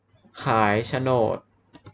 ขายโฉนด